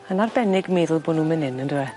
Ma'n arbennig meddwl bo' nw myn 'yn yndyw e?